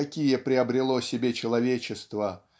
каких приобрело себе человечество